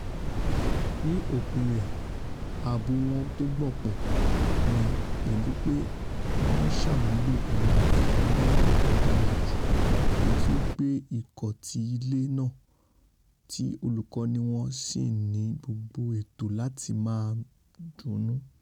Ní òpin rẹ̀, ààbò wọn tógbópọn ni, pẹ̀lú pé wọ́n ńṣàmúlò àwọn àǹfààní lọ́ná tódára jù, èyití ó gbé ikọ̀ ti ilé náà tí olùkọ́ni wọn sì ní gbogbo ẹ̀tọ́ láti máa dunnú.